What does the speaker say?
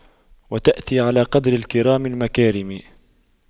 وتأتي على قدر الكرام المكارم